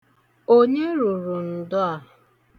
Onye rụrụ ndo a?